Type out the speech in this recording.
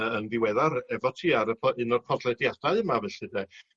...yy yn ddiweddar efo ti ar y po- un o'r podlediadau yma felly 'de